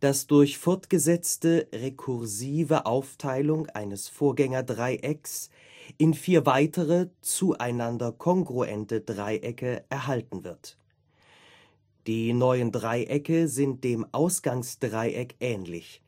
das durch fortgesetzte rekursive Aufteilung eines Vorgängerdreiecks in vier weitere, zueinander kongruente Dreiecke erhalten wird. Die neuen Dreiecke sind dem Ausgangsdreieck ähnlich